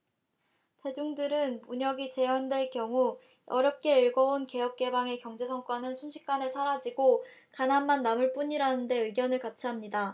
대중들은 문혁이 재연될 경우 어렵게 일궈 온 개혁개방의 경제 성과는 순식간에 사라지고 가난만 남을 뿐이라는데 의견을 같이 합니다